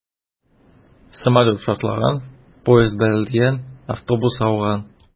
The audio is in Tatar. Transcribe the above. Самолет шартлаган, поезд бәрелгән, автобус ауган...